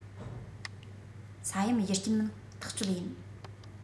ས ཡོམ རྒྱུ རྐྱེན མིན ཐག གཅོད ཡིན